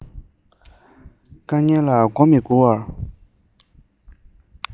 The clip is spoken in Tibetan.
དཀའ ངལ ལ མགོ མི སྒུར བ